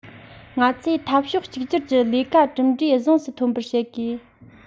ང ཚོས འཐབ ཕྱོགས གཅིག གྱུར གྱི ལས ཀ གྲུབ འབྲས གཟེངས སུ ཐོན པར བྱེད དགོས